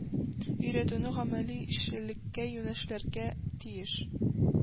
Өйрəтүне гамəли эшчəнлеккə юнəлтергə тиеш